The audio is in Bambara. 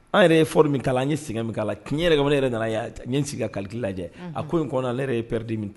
An yɛrɛɔri min' la an ye sɛgɛn min' la k'i ye yɛrɛ ka yɛrɛ nana yan ɲɛ sigi ka ka lajɛ a ko in kɔnɔ ale yɛrɛ ye pɛrɛdi min ta la